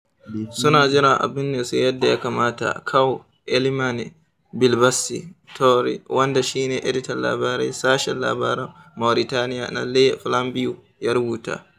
suna jiran a binne su yadda ya kamata" Kaaw Elimane Bilbassi Toure wanda shi ne editan labarai sashen Labaran Mauritaniya na Le Flambeau, ya rubuta.